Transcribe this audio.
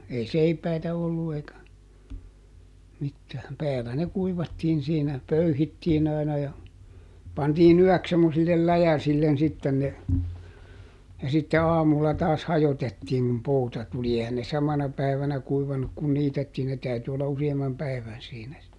ei seipäitä ollut eikä mitään päällä ne kuivattiin siinä pöyhittiin aina ja pantiin yöksi semmoisille läjäsille sitten ne ja sitten aamulla taas hajotettiin kun pouta tuli eihän ne samana päivänä kuivanut kun niitettiin ne täytyi olla useamman päivän siinä -